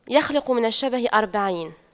يخلق من الشبه أربعين